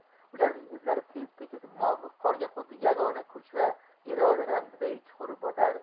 ularning izlari tep tekis momiq qorga xuddi yagona kuch va iroda ramziday chuqur botar